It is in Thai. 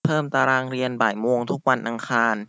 เพิ่มตารางเรียนบ่ายโมงทุกวันอังคาร